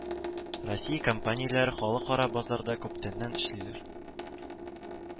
Россия компанияләре халыкара базарда күптәннән эшлиләр